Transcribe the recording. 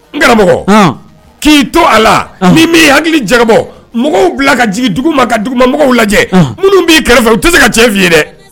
N karamɔgɔ; Han; k'i to a la ;anhan; n'i m'i hakili jagabɔ, mɔgɔw bila ka jigin dugu ma, ka duguma mɔgɔw lajɛ; anhan; minnu b'i kɛrɛfɛ u tɛ se ka tiɲɛ f'i ye dɛ.